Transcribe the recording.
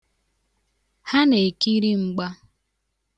Ha na-ekiri mgba.